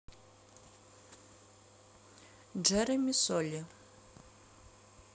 джереми соли